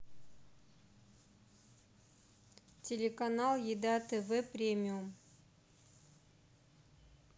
телеканал еда тв премиум